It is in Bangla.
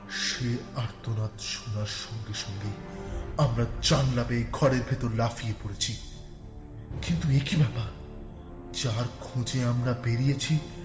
সে আর্তনাদ শোনার সঙ্গে সঙ্গেই আমরা জানালা দিয়ে ঘরের ভেতর লাফিয়ে পড়েছি কিন্তু একই ব্যাপার যার খোঁজ আমরা বেরিয়েছি